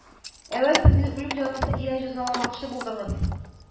Әүвәл сез мине үлем җәзасы илә җәзаламакчы булдыңыз